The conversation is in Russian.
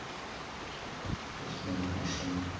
фортнайт машина